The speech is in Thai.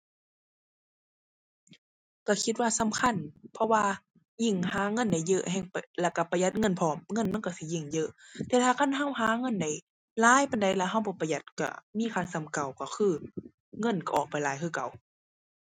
ก็คิดว่าสำคัญ เพราะว่ายิ่งหาเงินได้เยอะแฮ่งปะ แล้วก็ประหยัดเงินพร้อม เงินมันก็สิยิ่งเยอะ แต่ถ้าคันก็หาเงินได้หลายปานใดแล้วก็บ่ประหยัด ก็มีค่าส่ำเก่า ก็คือเงินก็ออกไปหลายคือเก่า